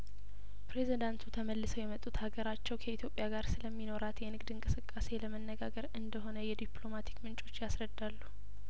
ፕሬዚዳንቱ ተመልሰው የመጡት ሀገራቸው ከኢትዮጵያ ጋር ስለሚኖራት የንግድ እንቅስቃሴ ለመነጋገር እንደሆነ የዲፕሎማቲክ ምንጮች ያስረዳሉ